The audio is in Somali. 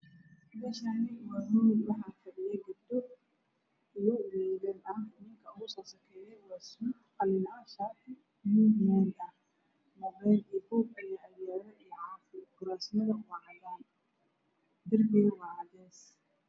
Meshaani waa hool waxaa fafadhiyo gabdho iyo will ah ninka ugu soo sokeyo waa suud qalin ah shatig baluug man ah mobeel iyo buug ayaa agaalo iyo caafi kuraas mado waa cadaan darling waa cadees